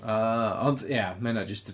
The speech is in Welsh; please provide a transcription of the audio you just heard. Oo ond ia mae hynna jyst...